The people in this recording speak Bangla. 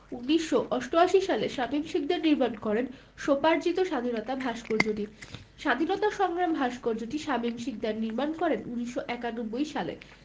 ১৯৮৮ সালে শামীম শিকদার নির্মাণ করেন স্বোপার্জিত স্বাধীনতা ভাস্কর্যটি স্বাধীনতা সংগ্রাম ভাস্কর্যটি শামীম শিকদার নির্মাণ করেন ১৯৯১ সালে